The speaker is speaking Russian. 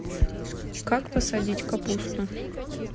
как посадить капусту